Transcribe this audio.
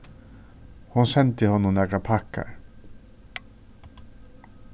hon sendi honum nakrar pakkar